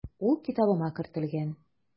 Ул китабыма кертелгән.